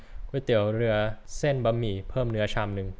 ก๋วยเตี๋ยวเรือเส้นบะหมี่เพิ่มเนื้อชามนึง